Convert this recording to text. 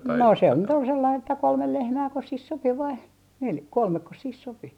no se nyt oli sellainen että kolme lehmääkös siihen sopi vai - kolmekos siihen sopi